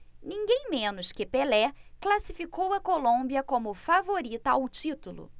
ninguém menos que pelé classificou a colômbia como favorita ao título